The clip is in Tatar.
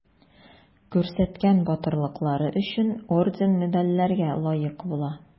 Күрсәткән батырлыклары өчен орден-медальләргә лаек була.